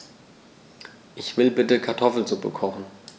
Ich will bitte Kartoffelsuppe kochen.